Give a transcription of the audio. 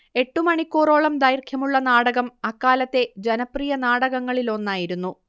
എട്ടുമണിക്കൂറോളം ദൈർഘ്യമുള്ള നാടകം അക്കാലത്തെ ജനപ്രിയ നാടകങ്ങളിലൊന്നായിരുന്നു